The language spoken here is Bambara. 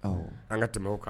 An ka tɛmɛ kan